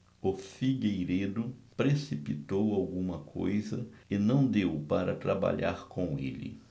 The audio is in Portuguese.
o figueiredo precipitou alguma coisa e não deu para trabalhar com ele